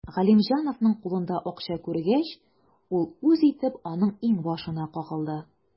Галимҗановның кулында акча күргәч, ул үз итеп аның иңбашына кагылды.